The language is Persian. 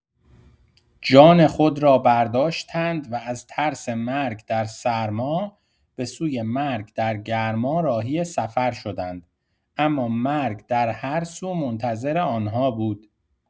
جان خود را برداشتند و از ترس مرگ در سرما، به‌سوی مرگ در گرما راهی سفر شدند، اما مرگ در هر سو منتظر آن‌ها بود.